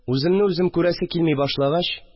Үземне үзем күрәсе килми башлагач